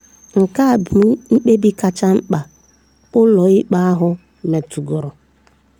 Nke a bụ mkpebi kacha mma ụlọ ikpe ahụ metụgoro